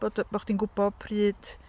Bod y- bo' chdi'n gwybod pryd...